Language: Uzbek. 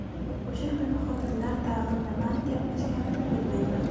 o'sha kuni xotinlar tag'in nimani gaplashganini bilmayman